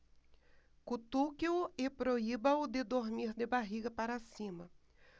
cutuque-o e proíba-o de dormir de barriga para cima